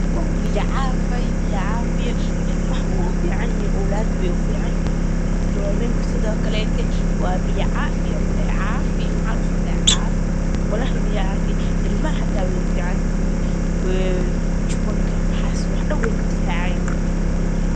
Waa biyo caafi biyo caafi